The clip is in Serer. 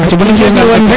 aca bona fiya ngan rek